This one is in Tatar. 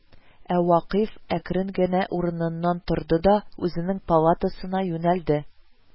Ә Вакыйф әкрен генә урыныннан торды да үзенең палатасына юнәлде